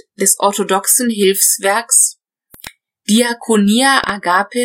des orthodoxen Hilfswerks Diaconia Agapes